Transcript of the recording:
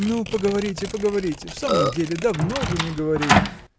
– Ну поговорите, поговорите: в самом деле, давно вы не говорили.